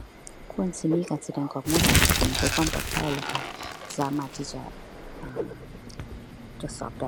ควรสิมีการแสดงข้อมูลให้มากขึ้นเพื่อความปลอดภัย แล้วก็สามารถที่จะ อ่า ตรวจสอบได้